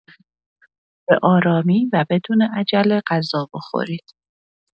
به‌آرامی و بدون عجله غذا بخورید.